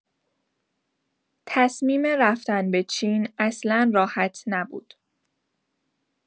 تصمیم رفتن به چین اصلا راحت نبود.